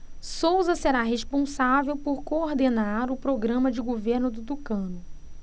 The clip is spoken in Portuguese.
souza será responsável por coordenar o programa de governo do tucano